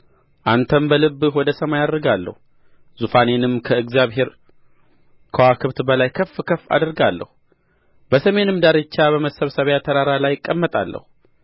አንተን በልብህ ወደ ሰምይ ዐርጋለሁ ዙፋኔንም ከእግዚአብሔር ከዋክብት በላይ ከፍ ከፍ አደርጋለሁ በሰሜንም ዳርቻ በመሰብሰቢያ ተራራ ላይ እቀመጣለሁ